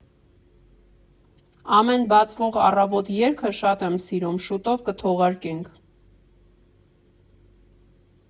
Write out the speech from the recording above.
«Ամեն բացվող առավոտ» երգը շատ եմ սիրում, շուտով կթողարկենք։